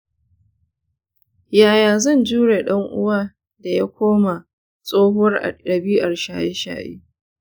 yaya zan jure ɗan uwa da ya koma tsohuwar dabi'ar shaye-shaye?